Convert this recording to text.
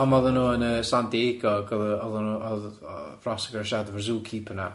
Pam oedden nhw yn yy San Diego ag oedd oedd o'n nhw odd Frost yn sharad efo'r zookeeper na.